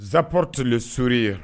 N zansaap tile sri ye